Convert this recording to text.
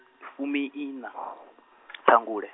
fumiiṋa , ṱhangule.